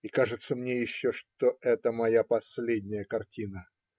И кажется мне еще, что это - моя последняя картина.